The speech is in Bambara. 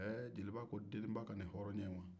jeliba ko deniba ka nin hɔrɔnya in wa